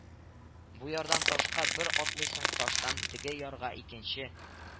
Бу ярдан ташка бер атлыйсың, таштан теге ярга икенче